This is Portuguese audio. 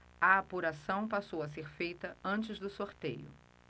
a apuração passou a ser feita antes do sorteio